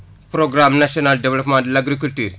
programe national développement de l' agriculture